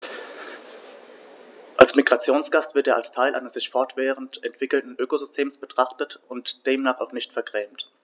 Als Migrationsgast wird er als Teil eines sich fortwährend entwickelnden Ökosystems betrachtet und demnach auch nicht vergrämt.